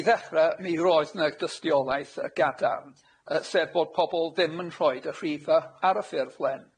I ddechre, mi roedd 'na dystiolaeth yy gadarn yy sef bod pobol ddim yn rhoid y rhife ar y ffurflen.